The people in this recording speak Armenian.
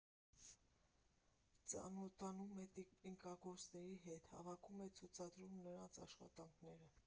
Ծանոթանում է տիկնիկագործների հետ, հավաքում և ցուցադրում նրանց աշխատանքները։